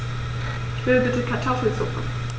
Ich will bitte Kartoffelsuppe.